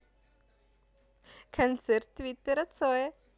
концерт твиттера цоя